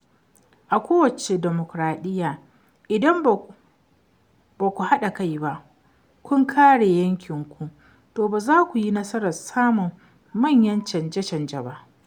A kowace demokoraɗiyya, idan ba ku haɗa kai ba, kun kare 'yancinku, to ba za ku yi nasarar samun manyan canje-canje ba.